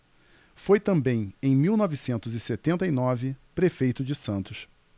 foi também em mil novecentos e setenta e nove prefeito de santos